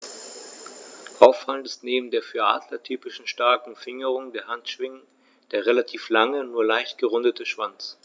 Auffallend ist neben der für Adler typischen starken Fingerung der Handschwingen der relativ lange, nur leicht gerundete Schwanz.